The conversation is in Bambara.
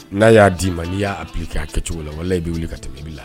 N'a y'a d'i ma n'i y'a appliquer a kɛ cogo la, wale y'i bɛ wili ka tɛmɛ,i bi la